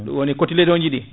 woni ko cotylédon ji ɗi